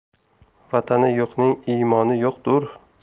vatani yo'qning iymoni yo'qtur